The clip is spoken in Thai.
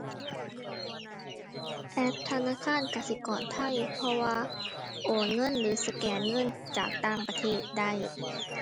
แอปธนาคารกสิกรไทย เพราะว่าโอนเงิน หรือสแกนเงินจากต่างประเทศได้